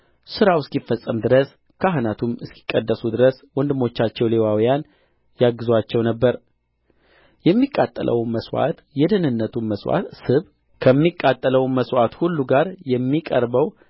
ሥራው እስኪፈጸም ድረስ ካህናቱም እስኪቀደሱ ድረስ ወንድሞቻቸው ሌዋውያን ያግዙአቸው ነበር የሚቃጠለውም መሥዋዕት የደኅንነቱም መሥዋዕት ስብ ከሚቃጠለውም መሥዋዕት ሁሉ ጋር የሚቀርበው